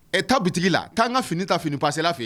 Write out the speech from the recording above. Ɛ tabi la taa' an ka fini ta fini pasila fɛ yen